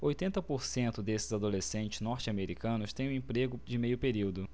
oitenta por cento desses adolescentes norte-americanos têm um emprego de meio período